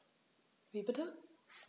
Wie bitte?